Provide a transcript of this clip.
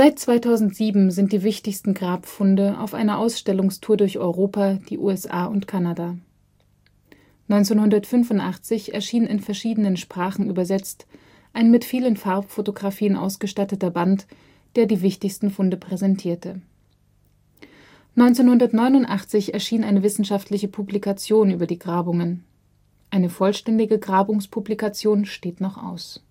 2007 sind die wichtigsten Grabfunde auf einer Ausstellungstour durch Europa, die USA und Kanada. 1985 erschien in verschiedenen Sprachen übersetzt ein mit vielen Farbfotografien ausgestatteter Band, der die wichtigsten Funde präsentierte. 1989 erschien eine wissenschaftliche Publikation über die Grabungen. Eine vollständige Grabungspublikation steht noch aus